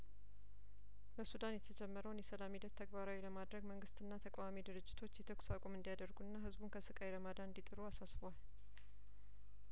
በሱዳን የተጀመረውን የሰላም ሂደት ተግባራዊ ለማድረግ መንግስትና ተቃዋሚ ድርጅቶች የተኩስ አቁም እንዲያደርጉና ህዝቡን ከስቃይ ለማዳን እንዲጥሩ አሳስቧል